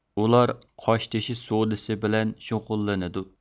ئۇلار قاشتېتىشى سودىسى بىلەن شۇغۇللىنىدۇ